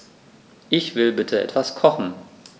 Ich will bitte etwas kochen.